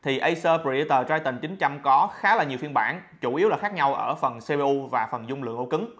thì acer predator triton có khá nhiều phiên bản chủ yếu khác nhau ở phần cpu và dung lượng ổ cứng